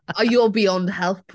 You're beyond help.